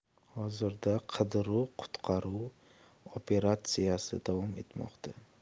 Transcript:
hozirda qidiruv qutqaruv operatsiyasi davom etmoqda